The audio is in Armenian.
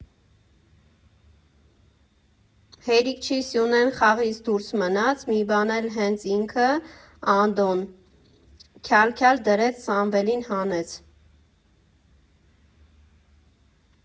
Հերիք չի Սյունեն խաղից դուրս մնաց, մի բան էլ հենց ինքը՝ Անդոն քյալ֊քյալ դրեց Սամվելին հանեց։